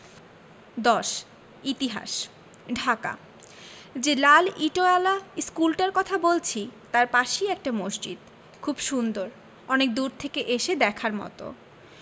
১০ ইতিহাস ঢাকা যে লাল ইটোয়ালা ইশকুলটার কথা বলছি তাই পাশেই একটা মসজিদ খুব সুন্দর অনেক দূর থেকে এসে দেখার মতো